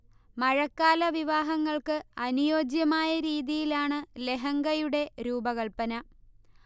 മഴക്കാല വിവാഹങ്ങൾക്ക് അനുയോജ്യമായ രീതിയിലാണ് ലഹങ്കയുടെ രൂപകല്പന